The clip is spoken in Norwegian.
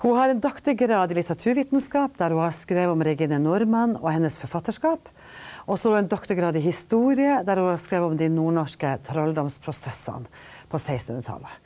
hun har en doktorgrad i litteraturvitenskap der hun har skrevet om Regine Normann og hennes forfatterskap, også en doktorgrad i historie der hun har skrevet om de nordnorske trolldomsprosessene på sekstenhundretallet..